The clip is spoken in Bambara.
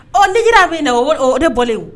Ɔ neji' b bɛ na o de bɔlen